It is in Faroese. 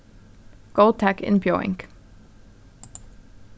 góðtak innbjóðing